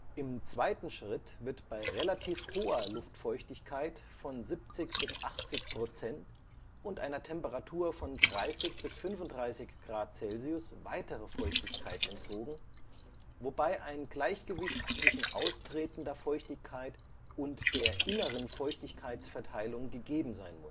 Im zweiten Schritt wird bei relativ hoher Luftfeuchtigkeit von 70 bis 80 % und einer Temperatur von 30 bis 35 °C weitere Feuchtigkeit entzogen, wobei ein Gleichgewicht zwischen austretender Feuchtigkeit und der inneren Feuchtigkeitsverteilung gegeben sein